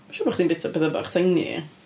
Dwi'n siŵr bod chi'n byta pethau bach tiny ia